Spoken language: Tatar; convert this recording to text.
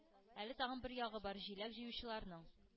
Әле тагын бер ягы бар – җиләк җыючыларның,